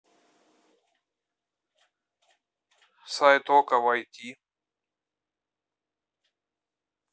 сайт okko войти